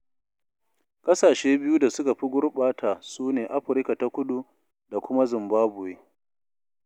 Ƙasashe biyu da suka fi gurɓata su ne Afirka ta Kudu da kuma Zimbabwe.